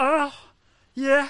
Yy ie.